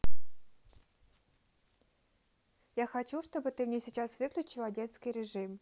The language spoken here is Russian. я хочу чтобы ты мне сейчас выключила детский режим